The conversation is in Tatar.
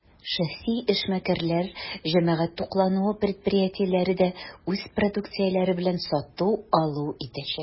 Шәхси эшмәкәрләр, җәмәгать туклануы предприятиеләре дә үз продукцияләре белән сату-алу итәчәк.